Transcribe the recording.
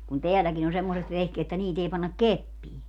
kun tälläkin on semmoiset vehkeet että niitä ei panna keppiin